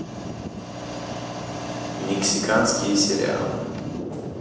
мексиканские сериалы